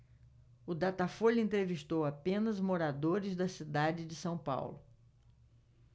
o datafolha entrevistou apenas moradores da cidade de são paulo